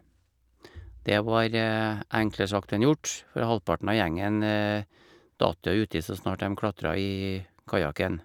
Det var enklere sagt enn gjort, for halvparten av gjengen datt jo uti så snart dem klatra i kajaken.